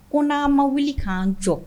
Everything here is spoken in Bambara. Ko n'a ma wuli k'an jɔ